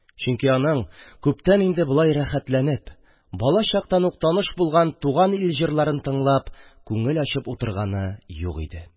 Чөнки аның күптән инде болай рәхәтләнеп, бала чактан ук таныш булган туган ил җырларын тыңлап, күңел ачып утырганы юк иде.